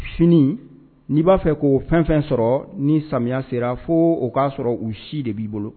Sini n'i b'a fɛ ko fɛn fɛn sɔrɔ ni samiya sera fo o k'a sɔrɔ u si de b'i bolo